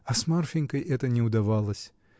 А с Марфинькой это не удавалось.